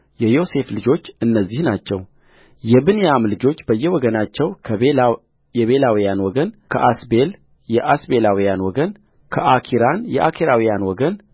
የዮሴፍ ልጆች እነዚህ ናቸውየብንያም ልጆች በየወገናቸው ከቤላ የቤላውያን ወገን ከአስቤል የአስቤላውያን ወገን ከአኪራን የአኪራናውያን ወገን